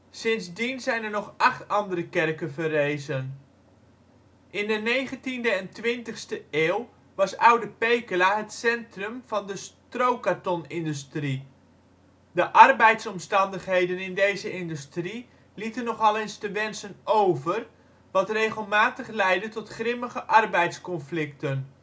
Sindsdien zijn er nog 8 andere kerken verrezen. Staking in 1969 In de negentiende en twintigste eeuw was Oude Pekela het centrum van de strokartonindustrie. De arbeidsomstandigheden in deze industrie lieten nogal eens te wensen over wat regelmatig leidde tot grimmige arbeidsconflicten